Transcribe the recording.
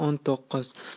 o'n to'qqiz